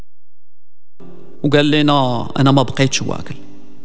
قال لنا انا ما بقيت شو اكل